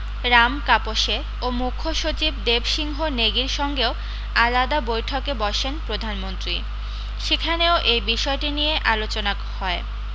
রাম কাপসে ও মুখ্য সচিব দেব সিংহ নেগির সঙ্গেও আলাদা বৈঠকে বসেন প্রধানমন্ত্রী সেখানেও এই বিষয়টি নিয়ে আলোচনা হয়